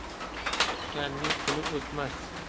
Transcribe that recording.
kutganning kuni o'tmas